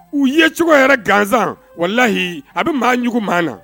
U ye cogo yɛrɛ gansan, walahi a bɛ maa ɲugu maa na.